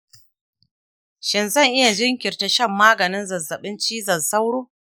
shin zan iya jinkirta shan maganin zazzaɓin cizon sauro